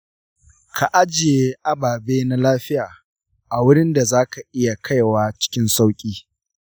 ka ajiye ababe na lafiya a wurin da za ka iya kaiwa cikin sauƙi.